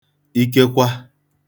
ikekwa